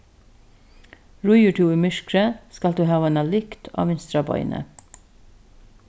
ríður tú í myrkri skalt tú hava eina lykt á vinstra beini